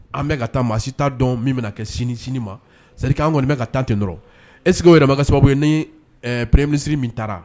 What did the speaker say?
An bɛ ka taa si t' dɔn min bɛ kɛ sini sini ma seri an kɔni bɛ ka tan ten dɔrɔn eseo yɛrɛma ka sababu ye ni pre minisiriri min taara